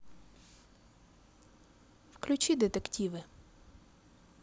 включи детективы